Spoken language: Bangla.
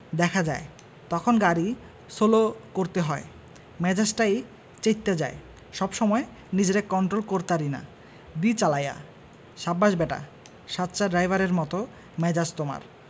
দেহা যায় তহন গাড়ি সোলো করতে হয় মেজাজটাই চেইত্তা যায় সব সময় নিজেরে কন্টোল করতারি না দি চালায়া... সাব্বাস ব্যাটা সাচ্চা ড্রাইভারের মত মেজাজ তোমার